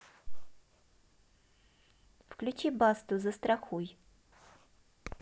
включи басту застрахуй